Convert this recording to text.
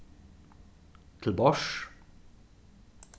til borðs